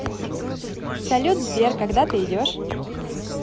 салют сбер когда ты идешь